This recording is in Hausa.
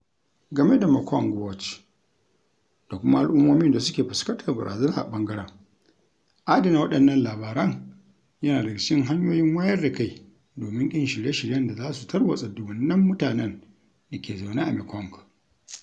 Game da Mekong Watch da kuma al'ummomin da suke fuskantar barazana a ɓangaren, adana waɗannan labaran yana daga cikin hanyoyin wayar da kai domin ƙin shirye-shiryen da za su tarwatsa dubunnan mutanen da ke zaune a Mekong: